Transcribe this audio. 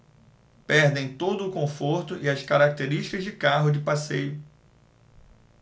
perdem todo o conforto e as características de carro de passeio